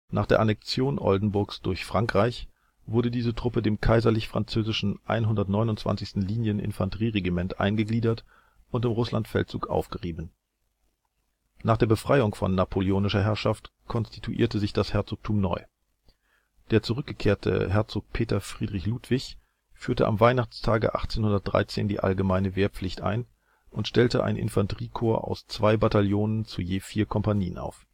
Nach der Annexion Oldenburgs durch Frankreich wurde diese Truppe dem Kaiserlich-französischen 129. Linien-Infanterie-Regiment eingegliedert und im Russlandfeldzug aufgerieben. Nach der Befreiung von napoleonischer Herrschaft konstituierte sich das Herzogtum neu. Der zurückgekehrte Herzog Peter Friedrich Ludwig führte am Weihnachtstage 1813 die allgemeine Wehrpflicht ein und stellte ein Infanteriekorps aus zwei Bataillonen zu je vier Kompanien auf